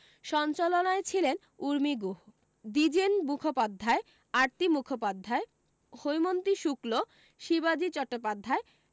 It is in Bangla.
সঞ্চালনায় ছিলেন ঊর্মি গুহ দ্বিজেন মুখোপাধ্যায় আরতি মুখোপাধ্যায় হৈমন্তী শুক্ল শিবাজী চট্টোপাধ্যায়